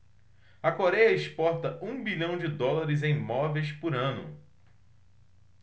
a coréia exporta um bilhão de dólares em móveis por ano